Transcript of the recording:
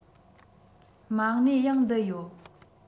མ གནས ཡང འདི ཡོད